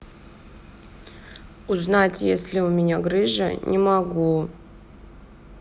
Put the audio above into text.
узнать если у меня грыжа не могу